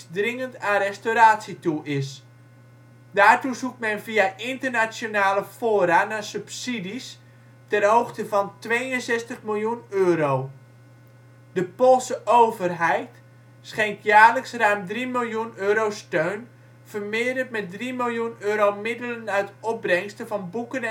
dringend aan restauratie toe is. Daartoe zoekt men via internationale fora naar subsidies ter hoogte van 62 miljoen euro. De Poolse overheid schenkt jaarlijks ruim drie miljoen euro steun, vermeerderd met drie miljoen euro middelen uit opbrengsten van boeken